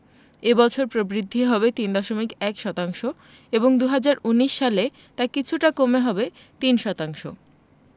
এ বছর প্রবৃদ্ধি হবে ৩.১ শতাংশ এবং ২০১৯ সালে তা কিছুটা কমে হবে ৩.০ শতাংশ